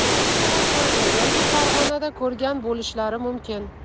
meni quvasoyda yoki farg'onada ko'rgan bo'lishlari mumkin